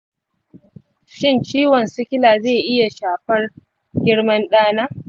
shin ciwon sikila zai iya shafar girman ɗana?